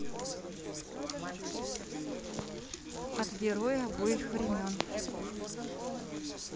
от герои обоих времен